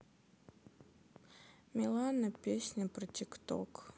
милана песня про тик ток